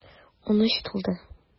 Унөч тулды.